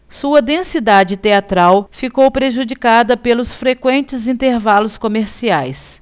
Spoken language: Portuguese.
sua densidade teatral ficou prejudicada pelos frequentes intervalos comerciais